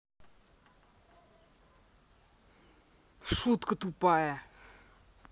шутка тупая